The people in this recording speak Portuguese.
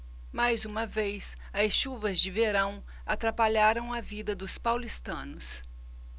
mais uma vez as chuvas de verão atrapalharam a vida dos paulistanos